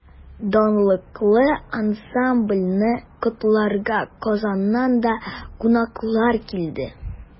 Данлыклы ансамбльне котларга Казаннан да кунаклар килде.